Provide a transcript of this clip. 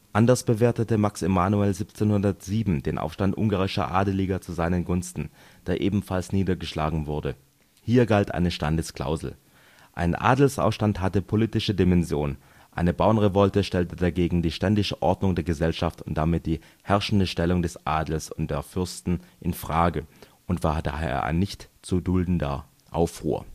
Anders bewertete Max Emanuel 1707 den Aufstand ungarischer Adeliger zu seinen Gunsten, der ebenfalls niedergeschlagen wurde. Hier galt eine Standesklausel: Ein Adelsaufstand hatte politische Dimension, eine Bauernrevolte stellte dagegen die ständische Ordnung der Gesellschaft und damit die herrschende Stellung des Adels und der Fürsten in Frage und war daher ein nicht zu duldender Aufruhr